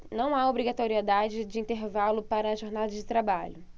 não há obrigatoriedade de intervalo para jornadas de trabalho